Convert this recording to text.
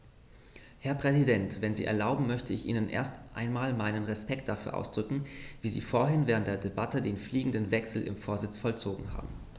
Herr Präsident, wenn Sie erlauben, möchte ich Ihnen erst einmal meinen Respekt dafür ausdrücken, wie Sie vorhin während der Debatte den fliegenden Wechsel im Vorsitz vollzogen haben.